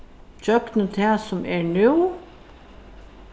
gjøgnum tað sum er nú